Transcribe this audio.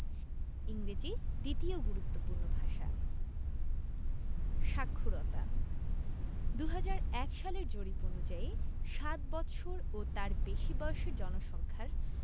ইংরেজি দ্বিতীয় গুরুত্বপূর্ণ ভাষা সাক্ষরতাঃ ২০০১ সালের জরিপ অনুযায়ী সাত বৎসর ও তার বেশি বয়সের জনসংখ্যার